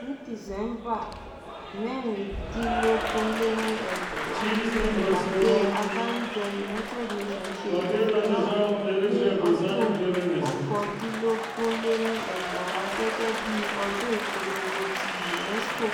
Ní December 2016, ìpàdé àgbáríjọ United Nations ṣe ifilọ́lè ọdun 2019 gẹ́gẹ́ bí ọdún ipolongo tí UNESCO